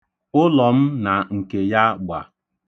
Ụlọ m na nke ya gba.